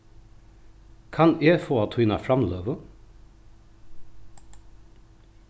kanna eg fáa tína framløgu